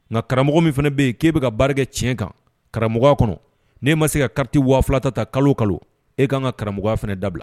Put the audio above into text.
Nka karamɔgɔ min fana bɛ yen k'e bɛ ka baara barikakɛ tiɲɛ kan karamɔgɔ kɔnɔ n' ma se kati waafula ta ta kalo kalo e ka kan ka karamɔgɔmɔgɔ fana dabila